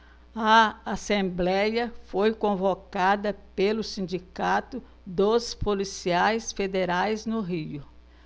a assembléia foi convocada pelo sindicato dos policiais federais no rio